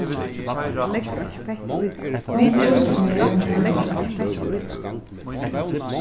hon spurdi meg um hana